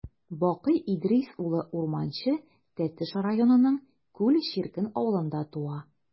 Бакый Идрис улы Урманче Тәтеш районының Күл черкен авылында туа.